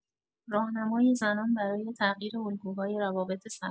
راهنمای زنان برای تغییر الگوهای روابط صمیمی